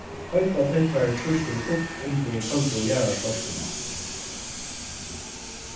heita tilfarið trýstir upp undir køldu jarðarskorpuna